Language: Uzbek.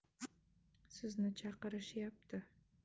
sizni chaqirishyapti